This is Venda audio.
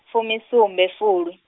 fumisumbe fulwi.